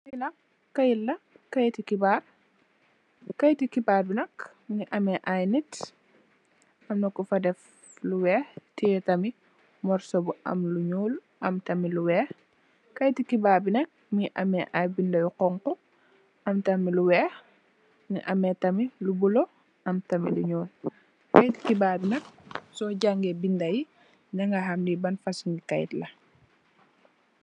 Lee nak keyete la keyete kebarr keyete kebarr be nak muge ameh aye neet am na kufa def lu weex teye tamin mursu bu am lu nuul am tamin lu weex keyete kebarr be nak muge ameh aye beda yu xonxo am tamin lu weex muge ameh tamin bulo am tamin lu nuul keyete kebarr be nak su jange beda ye daga ham le ban fosunge keyete la.